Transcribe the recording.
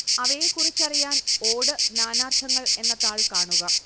അവയെക്കുറിച്ചറിയാൻ ഓട് നാനാർത്ഥങ്ങൾ എന്ന താൾ കാണുക